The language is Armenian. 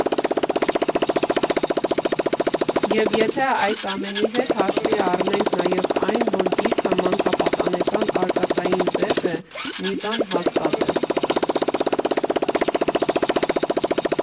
Եվ եթե այս ամենի հետ հաշվի առնենք նաև այն, որ գիրքը մանկապատանեկան արկածային վեպ է, մի բան հաստատ է.